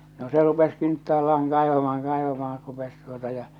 no se rupesi kintaallaan kaivamaan kaivamaan rupesi tuota ja